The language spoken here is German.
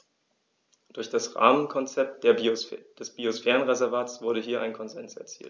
Durch das Rahmenkonzept des Biosphärenreservates wurde hier ein Konsens erzielt.